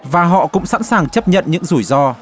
và họ cũng sẵn sàng chấp nhận những rủi ro